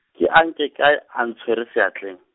ke a nke kae a ntshware seatleng.